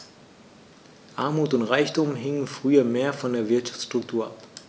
Armut und Reichtum hingen früher mehr von der Wirtschaftsstruktur ab.